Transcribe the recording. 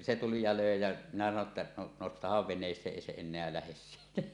se tuli ja löi ja minä sanoin jotta no nostahan veneeseen ei se enää lähde siitä